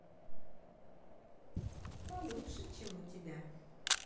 получше чем у тебя